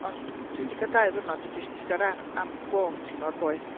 Ond, dwi 'di cael dau ddiwrnod o jyst eistedd yn yr ardd am bod hi mor boeth.